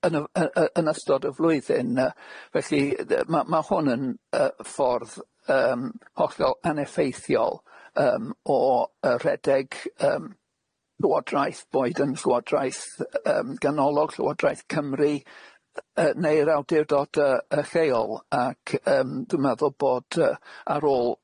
y- y- yn ystod y flwyddyn y- felly y- ma' ma' hwn yn y- ffordd yym hollol aneffeithiol yym o y- rhedeg yym Llywodraeth, boed yn Llywodraeth yym ganolog Llywodraeth Cymru y- neu'r awdurdod y- y lleol ac yym dwi'n meddwl bod y- ar ôl